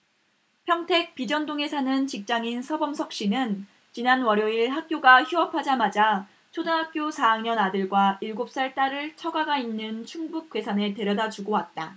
평택 비전동에 사는 직장인 서범석씨는 지난 월요일 학교가 휴업하자마자 초등학교 사 학년 아들과 일곱 살 딸을 처가가 있는 충북 괴산에 데려다주고 왔다